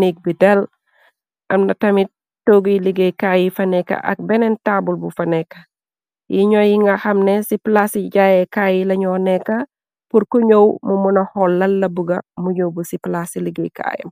nek bi del. Amna tamit toggiy liggéey kaay yi fanekka ak beneen taabul bu fa nekka. yi ñoo yi nga xam ne ci plaas yi jaaye kaay yi lañoo nekka, purku ñëw mu mu na xoollal la buga, mu yóbb ci plaas ci liggéey kaayam.